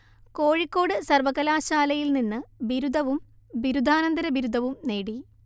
കോഴിക്കോട് സർവകലാശായിൽ നിന്ന് ബിരുദവും ബിരുദാനന്തര ബിരുദവും നേടി